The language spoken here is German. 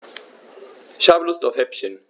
Ich habe Lust auf Häppchen.